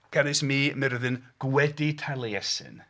Can ys mi myrtin guydi taliessin